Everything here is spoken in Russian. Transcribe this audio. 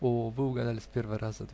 -- О, вы угадали с первого раза!